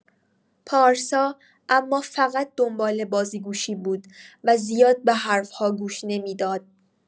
پارسا اما فقط دنبال بازیگوشی بود و زیاد به حرف‌ها گوش نمی‌داد.